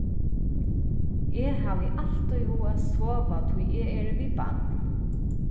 eg havi altíð hug at sova tí eg eri við barn